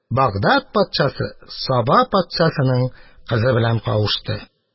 Багдад патшасы Саба патшасының кызы белән кавышты.